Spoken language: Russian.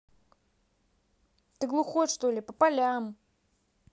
ты глухой что ли по полям